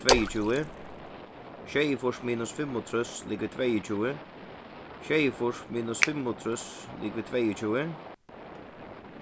tveyogtjúgu sjeyogfýrs minus fimmogtrýss ligvið tveyogtjúgu sjeyogfýrs minus fimmogtrýss ligvið tveyogtjúgu